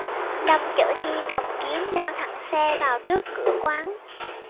lâm chở thi cầm kiếm lao thẳng xe vào trước cửa quán